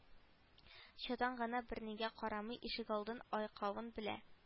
Чатан гына бернигә карамый ишегалдын айкавын белә